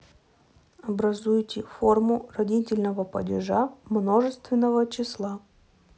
образуйте форму родительного падежа множественного числа